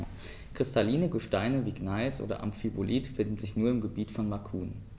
Kristalline Gesteine wie Gneis oder Amphibolit finden sich nur im Gebiet von Macun.